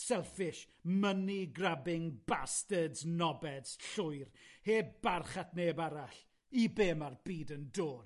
Selfish, money-grabbing, bastards, knobheads, llwyr, heb barch at neb arall, i be' mae'r byd yn dod.